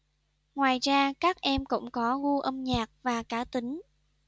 ngoài ra các em cũng có gu âm nhạc và cá tính